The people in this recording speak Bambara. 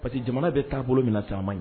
Pa que jamana bɛ taabolo bolo mina na caman ye